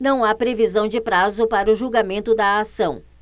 não há previsão de prazo para o julgamento da ação